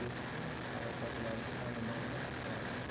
yurgan keskin harakatlarni alimardon qilardi